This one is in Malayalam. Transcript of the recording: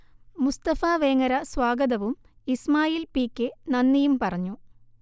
മുസ്തഫ വേങ്ങര സ്വാഗതവും ഇസ്മാഈൽ പി കെ നന്ദിയും പറഞ്ഞു